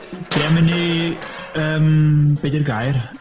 Be am i ni... yym be 'di'r gair?